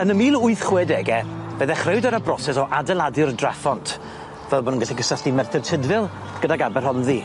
Yn y mil wyth chwe dege fe ddechreuwyd yr y broses o adeiladu'r draphont fel bo' nw'n gallu gysylltu Merthyr Tydfil gydag Aberhonddu.